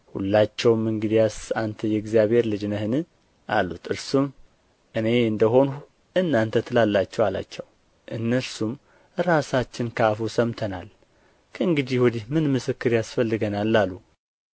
ሁላቸውም እንግዲያስ አንተ የእግዚአብሔር ልጅ ነህን አሉት እርሱም እኔ እንደ ሆንሁ እናንተ ትላላችሁ አላቸው እነርሱም ራሳችን ከአፉ ሰምተናልና ከእንግዲህ ወዲህ ምን ምስክር ያስፈልገናል አሉ